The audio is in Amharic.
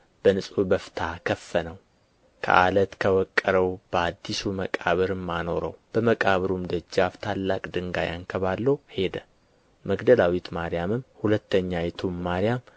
በንጹሕ በፍታ ከፈነው ከዓለት በወቀረው በአዲሱ መቃብርም አኖረው በመቃብሩም ደጃፍ ታላቅ ድንጋይ አንከባሎ ሄደ መግደላዊት ማርያምም ሁለተኛይቱም ማርያም